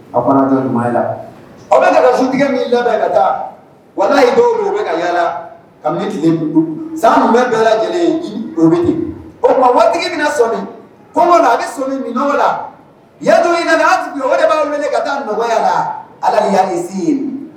A ɲuman a bɛ ka su tigɛ min labɛn ka taa wala ye dɔw min bɛ ka yalala ka min tigɛ san bɛ bila lajɛlen o ma waatitigi bɛna sɔ kɔ na a bɛ nɔgɔya la ya dɔ o de b'a wele ka taa nɔgɔya yalala ala yasi ye